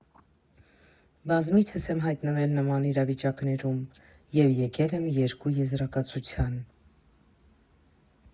Բազմիցս եմ հայտնվել նման իրավիճակներում և եկել եմ երկու եզրակացության.